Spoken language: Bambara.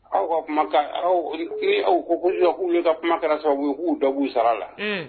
Aw kuma kan aw aw ko ko k'ulu ka kuma kɛra sababu ye k'u ye dɔ b'u sara la.